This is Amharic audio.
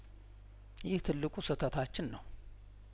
ይህ ትልቁ ስህተታችን ነው